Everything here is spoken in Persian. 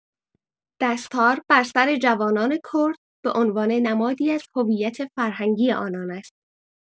دستار بر سر جوانان کرد به‌عنوان نمادی از هویت فرهنگی آنان است.